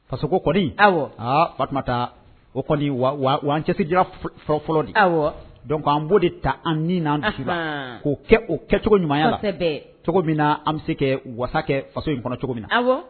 Fasoko kɔni taa o kɔni an cɛdi fɔlɔ fɔlɔ aw dɔnku k an' de ta an na k'o kɛ o kɛcogo ɲumanya cogo min na an bɛ se ka wa kɛ faso in kɔnɔ cogo min na